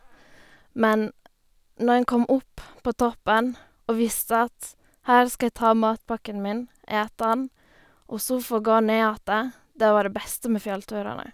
Men når en kom opp på toppen og visste at her skal jeg ta matpakken min, ete han, og så få gå ned att, det var det beste med fjellturene.